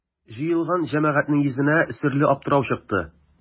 Җыелган җәмәгатьнең йөзенә серле аптырау чыкты.